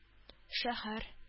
Шәһәр